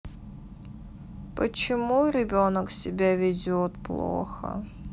почему ребенок себя ведет плохо